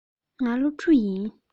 ང སློབ ཕྲུག ཡིན